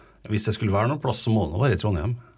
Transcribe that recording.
ja hvis det skulle være noen plass så må det nå være i Trondheim.